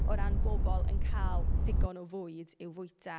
O ran bobl yn cael digon o fwyd i'w fwyta.